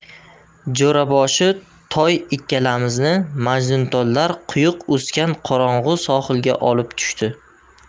jo'raboshi toy ikkalamizni majnuntollar quyuq o'sgan qorong'i sohilga olib tushdi